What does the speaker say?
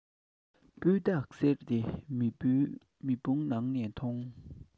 སྤུས དག གསེར དེ མེ དཔུང ནང ནས ཐོན